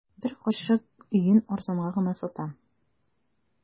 Бер карчык өен арзанга гына сата.